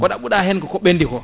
ko ɗaɓɓuɗa hen koko ɓendi ko